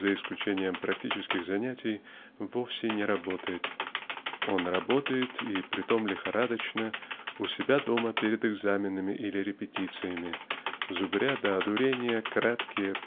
за исключением практических занятий вовсе не работает. Он "работает" и притом лихорадочно у себя дома перед экзаменами или репетициями зубря до одурения краткие